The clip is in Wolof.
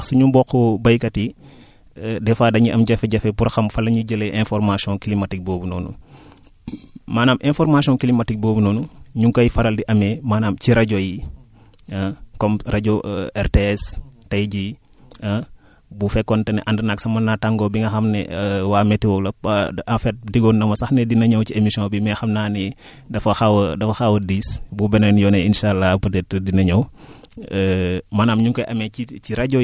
d' accord jërëjëf laaj boobu am na solo ndax suñu mbokku baykat yi des fois dañuy am jafe-jafe pour xam fan la ñuy jëlee information climatique boobu noonu maanaam information climatique boobu noonu ñu ngi koy faral di amee maanaam ci rajo yi ah comme rajo RTS tay jii ah bu fekkoon te ne ànd naag sama naataangoo bi nga xam ne waa météo la en fait digoon na ma sax ne dina ñëw ci émission bi mais xam naa ni dafa xaw a dafa xaw a diis bu beneen yoonee insaa àllaa peut être dina ñëw